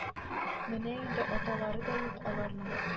Менә инде аталары да юк аларның